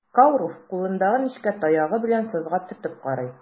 Кауров кулындагы нечкә таягы белән сазга төртеп карый.